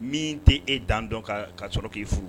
Min tɛ e dan dɔn ka ka sɔrɔ k'i furu